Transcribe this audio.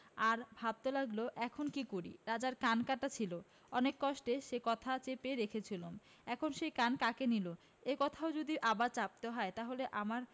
আর ভাবতে লাগল এখন কী করি রাজার কান কাটা ছিল অনেক কষ্টে সে কথা চেপে রেখেছিলুম এখন সেই কান কাকে নিলে এ কথাও যদি আবার চাপতে হয় তাহলে আমার